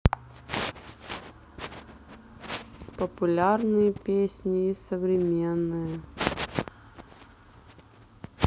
популярные песни и современные